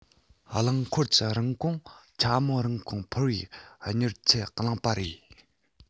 རླངས འཁོར གྱི རིན གོང དཔྱད མོལ རིན གོང འཕར བའི མྱུར ཚད གླེང པ རེད